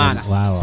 wawaw